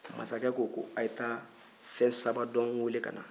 masakɛ ko a' ye taa fɛnsabadɔn weele ka na